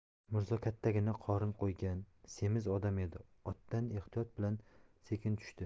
mirzo kattagina qorin qo'ygan semiz odam edi otdan ehtiyot bilan sekin tushdi